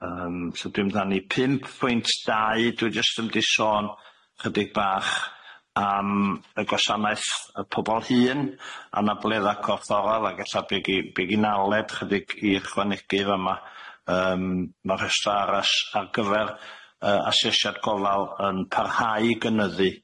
Yym, so dwi'n meddiannu, pump pwynt dau dwi jyst yn mynd i sôn chydig bach am y gwasanaeth y pobol hŷn anabledda corfforol ag ella by gin Aled chydig i ychwanegu'n fama, a ma' yym ma' rhestr aras ar gyfer yy asesiad gofal yn parhau i gynyddu.